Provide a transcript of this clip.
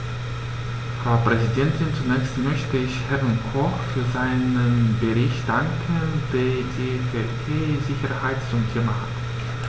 Frau Präsidentin, zunächst möchte ich Herrn Koch für seinen Bericht danken, der die Verkehrssicherheit zum Thema hat.